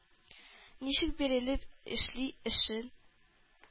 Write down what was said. Ничек бирелеп эшли эшен...